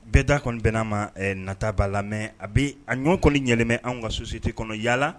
Bɛɛ' kɔnɔ bɛnana ma nataba la a bɛ a ɲɔgɔn kɔni ɲɛɛlɛmɛ an ka susite kɔnɔ yalala